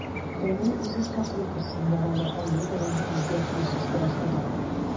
Тәңре үзе саклый күрсен яралы аю белән күзгә-күз очрашудан.